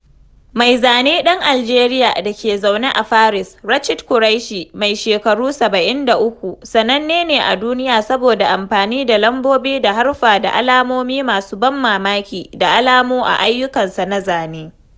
Mai zane ɗan Aljeriya da ke zaune a Paris, Rachid Koraichi, mai shekaru 73, sananne ne a duniya saboda amfani da lambobi da haruffa da alamomi masu ban mamaki da alamu a ayyukansa na zane.